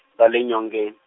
ra le nyongen-.